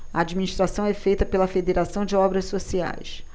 a administração é feita pela fos federação de obras sociais